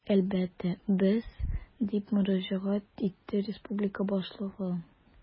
Әлбәттә, без, - дип мөрәҗәгать итте республика башлыгы.